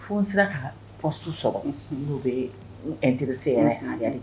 F sera ka p su sɔrɔ' bɛ e teri se yɛrɛ